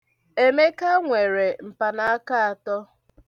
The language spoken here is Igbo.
Emeka nwere mpanaaka atọ.